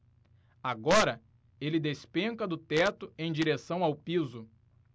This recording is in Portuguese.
agora ele despenca do teto em direção ao piso